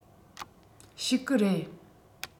བཤིག གི རེད